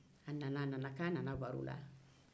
a nana k'a nana baro la